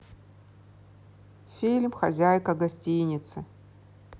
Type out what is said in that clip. фильм хозяйка гостиницы